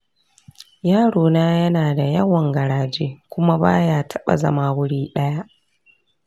yarona yana da yawan garaje kuma ba ya taɓa zama wuri guda